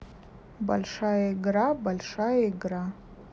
большая игра большая игра